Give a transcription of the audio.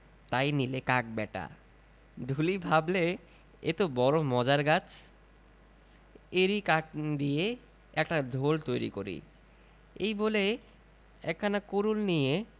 তাই নিলে কাক ব্যাটা ঢুলি ভাবলে এ তো বড়ো মজার গাছ এরই কাঠ দিয়ে একটা ঢোল তৈরি করি এই বলে একখানা কুডুল নিয়ে